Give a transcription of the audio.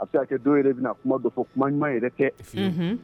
A bɛ se kɛ dɔw yɛrɛ bɛna kuma dɔ fɔ kuma ɲuman yɛrɛ tɛ.